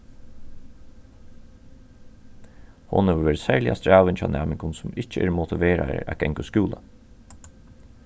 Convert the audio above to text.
hon hevur verið serliga strævin hjá næmingum sum ikki eru motiveraðir at ganga í skúla